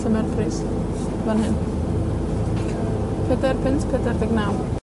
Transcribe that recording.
dyma'r pris, fan hyn. Pedwar punt pedwar deg naw.